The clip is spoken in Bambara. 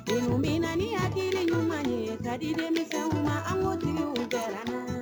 Minuw mina ni hakili ɲuman ye ka di denmisɛnw ma an ko tigiw gɛrɛ an naa